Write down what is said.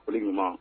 Foli ɲuman